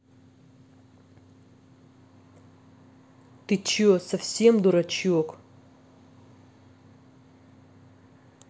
ты че совсем дурачок